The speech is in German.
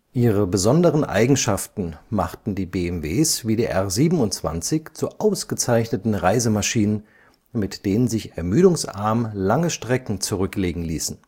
Ihre besonderen Eigenschaften machten die BMWs wie die R 27 zu ausgezeichneten Reisemaschinen, mit denen sich ermüdungsarm lange Strecken zurücklegen ließen